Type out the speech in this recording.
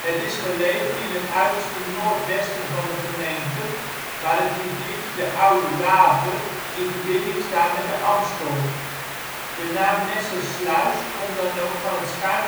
Het is gelegen in het uiterste noordwesten van de gemeente, waar het riviertje de Oude Waver in verbinding staat met de Amstel. De naam Nessersluis komt dan ook van het schuin